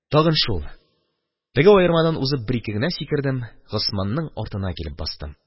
Тагын шул: теге аермадан узып, бер-ике генә сикердем – Госманның артына килеп бастым.